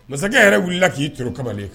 Masakɛ yɛrɛ wulila la k'i t kamalen